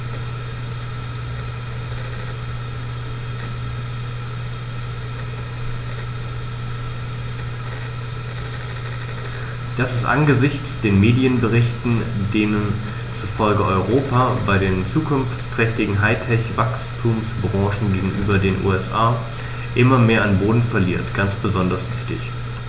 Das ist angesichts von Medienberichten, denen zufolge Europa bei den zukunftsträchtigen High-Tech-Wachstumsbranchen gegenüber den USA immer mehr an Boden verliert, ganz besonders wichtig.